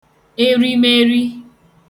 erimeri